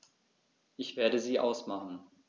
Ich werde sie ausmachen.